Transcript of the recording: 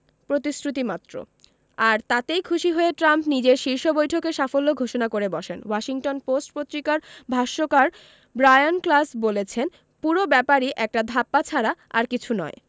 প্রতিশ্রুতিমাত্র আর তাতেই খুশি হয়ে ট্রাম্প নিজের শীর্ষ বৈঠকের সাফল্য ঘোষণা করে বসেন ওয়াশিংটন পোস্ট পত্রিকার ভাষ্যকার ব্রায়ান ক্লাস বলেছেন পুরো ব্যাপারই একটা ধাপ্পা ছাড়া আর কিছু নয়